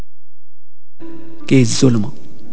الزلمه